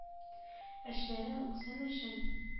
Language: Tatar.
– эшләре уңсын өчен,